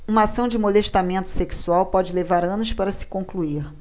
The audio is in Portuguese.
uma ação de molestamento sexual pode levar anos para se concluir